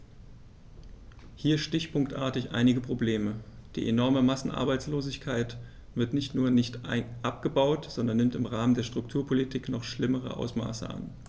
Hier stichpunktartig einige Probleme: Die enorme Massenarbeitslosigkeit wird nicht nur nicht abgebaut, sondern nimmt im Rahmen der Strukturpolitik noch schlimmere Ausmaße an.